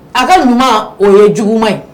A ka numu o ye juguma ye